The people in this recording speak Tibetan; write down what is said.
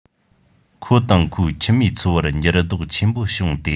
ཁོ དང ཁོའི ཁྱིམ མིའི འཚོ བར འགྱུར ལྡོག ཆེན པོ བྱུང སྟེ